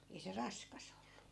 ei se raskas ollut